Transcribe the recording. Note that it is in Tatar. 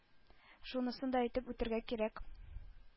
Шунысын да әйтеп үтәргә кирәк: